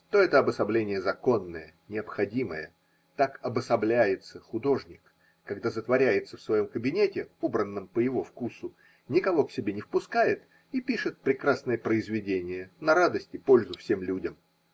то это обособление законное, необходимое: так обособляется художник, когда затворяется в своем кабинете, убранном по его вкусу, никого к себе не впускает – и пишет прекрасное произведение на радость и пользу всем людям.